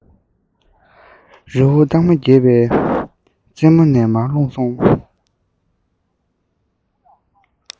རི བོ སྟག མ རྒྱས པའི རྩེ མོ ནས མར ལྷུང སོང